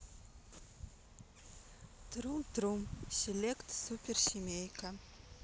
трум трум селект супер семейка